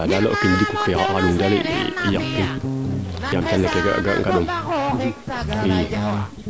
ndaa daal o kiin nax jikuke o qolum daal yaqin yaam kaga gana te ɗom i